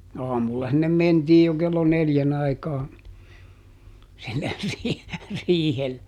aamulla sinne mentiin jo kello neljän aikaan sinne - riihelle